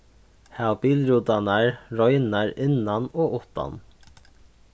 hav bilrútarnar reinar innan og uttan